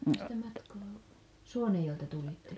onhan sitä matkaa Suonenjoelta tulitte